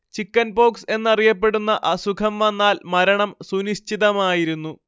chickenpox എന്നറിയപ്പെടുന്ന അസുഖം വന്നാൽ മരണം സുനിശ്ചിതമായിരുന്നു